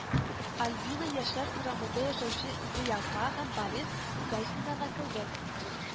Альбина Яшьләр урамында яшәүче Зыяфа һәм Борис Гайсиннарга керде